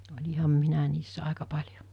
olinhan minä niissä aika paljon